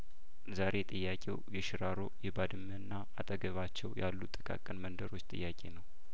ዛሬ ጥያቄው የሽራሮ የባድመና አጠገባቸው ያሉ ጥቃቅን መንደሮች ጥያቄ ነው